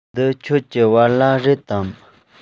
འདི ཁྱོད ཀྱི བལ ལྭ རེད དམ